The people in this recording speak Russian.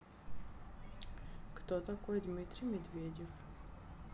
кто такой дмитрий медведев